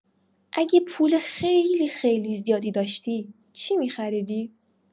اگه پول خیلی خیلی زیادی داشتی چی می‌خریدی؟